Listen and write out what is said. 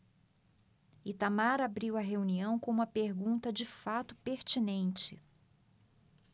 itamar abriu a reunião com uma pergunta de fato pertinente